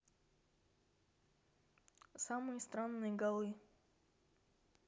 самые странные голы